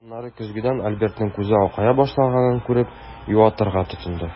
Аннары көзгедән Альбертның күзе акая башлаганын күреп, юатырга тотынды.